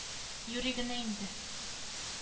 Юри генә инде